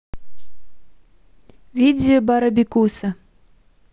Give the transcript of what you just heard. видео барабекуса